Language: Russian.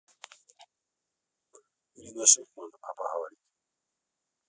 ирина шихман а поговорить